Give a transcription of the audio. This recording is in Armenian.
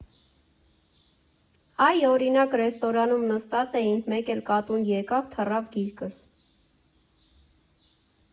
Այ, օրինակ, ռեստորանում նստած էինք, մեկ էլ կատուն եկավ, թռավ գիրկս։